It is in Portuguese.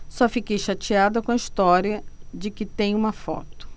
só fiquei chateada com a história de que tem uma foto